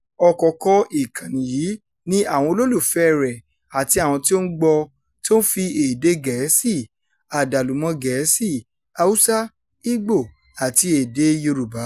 Ọ̀kọ̀ọ̀kan ìkànnì yìí — ní àwọn olólùfẹ́ẹ rẹ̀ àti àwọn tí ó ń gbọ́ ọ — tí ó ń fi èdèe Gẹ̀ẹ́sì, Àdàlùmọ́-Gẹ̀ẹ́sì, Hausa, Igbo àti èdèe Yorùbá.